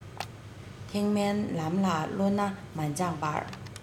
ཐེག དམན ལམ ལ བློ སྣ མ སྦྱངས པར